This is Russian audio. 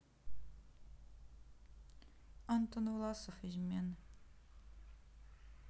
антон власов измены